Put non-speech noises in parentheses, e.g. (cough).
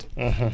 (hesitation) (hesitation)